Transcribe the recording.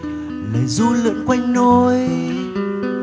lời ru lượn quanh nôi